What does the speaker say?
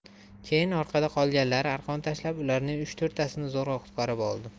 keyin orqada qolganlari arqon tashlab ularning uchto'rttasini zo'rg'a qutqarib oldi